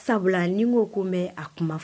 Sabula ni n ko ko mɛn a kuma